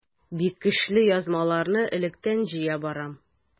Бик көчле язмаларны электән җыя барам.